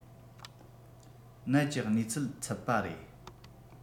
ནད ཀྱི གནས ཚུལ ཚུད པ རེད